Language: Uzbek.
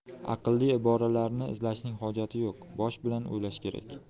aqlli iboralarni izlashning hojati yo'q bosh bilan o'ylash kerak